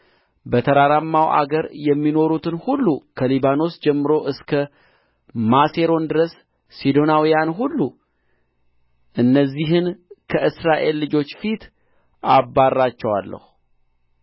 በተራራማውም አገር የሚኖሩትን ሁሉ ከሊባኖስ ጀምሮ እስከ ማሴሮን ድረስ ሲዶናውያን ሁሉ እነዚህን ከእስራኤል ልጆች ፊት አባርራቸዋለሁ